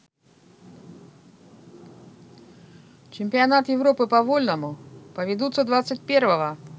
чемпионат европы по вольному поведутся двадцать первого